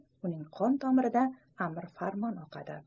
uning qon tomirida amr farmon oqadi